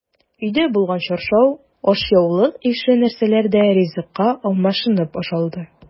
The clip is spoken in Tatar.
Өйдә булган чаршау, ашъяулык ише нәрсәләр дә ризыкка алмашынып ашалды.